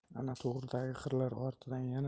ana to'g'ridagi qirlar ortidan